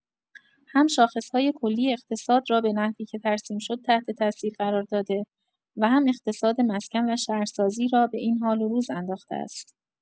هم شاخص‌های کلی اقتصاد را به نحوی که ترسیم شد تحت‌تاثیر قرار داده، و هم اقتصاد مسکن و شهرسازی را به این حال و روز انداخته است!